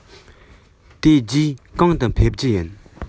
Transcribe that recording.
དེ རྗེས གང དུ ཕེབས རྒྱུ ཡིན